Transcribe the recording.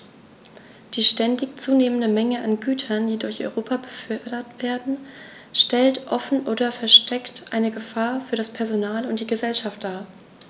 Die ständig zunehmende Menge an Gütern, die durch Europa befördert werden, stellt offen oder versteckt eine Gefahr für das Personal und die Gesellschaft dar.